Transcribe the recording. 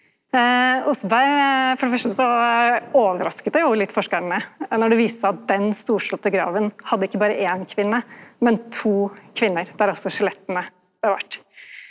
Oseberg for det første så eg overraska det jo litt forskarane når det viste seg at den storslåtte grava hadde ikkje berre éin kvinne, men to kvinner der er også skjeletta bevart.